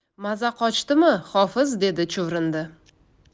maza qochdimi hofiz dedi chuvrindi